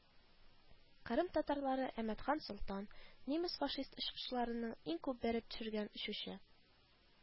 Кырым татары Әмәтхан Солтан – нимес-фашист очкычларын иң күп бәреп төшергән очучы